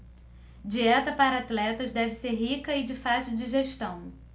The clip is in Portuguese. dieta para atletas deve ser rica e de fácil digestão